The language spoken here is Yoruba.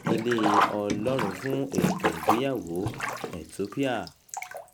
Ilé Ọlọ́run fún ètò ìgbéyàwó Ethiopia